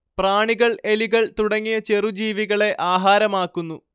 പ്രാണികൾ എലികൾ തുടങ്ങിയ ചെറു ജീവികളെ ആഹാരമാക്കുന്നു